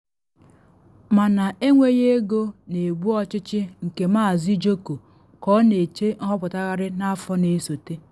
Mana enweghị ego na egbu ọchịchị nke Maazị Joko ka ọ na eche nhọpụtagharị n’afọ na esote.